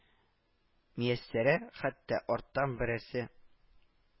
Мияссәрә хәтта арттан берәрсе